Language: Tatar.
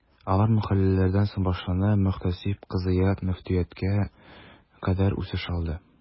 Алар мәхәлләләрдән башлана, мөхтәсиб, казыят, мөфтияткә кадәр үсеш алды.